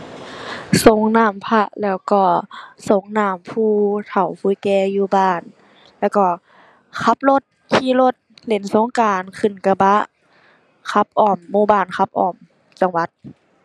สรงน้ำพระแล้วก็สรงน้ำผู้เฒ่าผู้แก่อยู่บ้าน แล้วก็ขับรถขี่รถเล่นสงกรานต์ ขึ้นกระบะขับอ้อมหมู่บ้านขับอ้อมจังหวัด